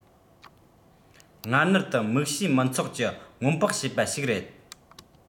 སྔ སྣུར དུ དམིགས བྱའི མི ཚོགས ཀྱི སྔོན དཔག བྱེད པ ཞིག རེད